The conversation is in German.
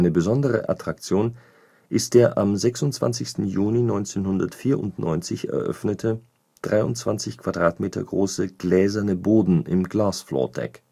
besondere Attraktion ist der am 26. Juni 1994 eröffnete, 23 m² große gläserne Boden im Glass Floor Deck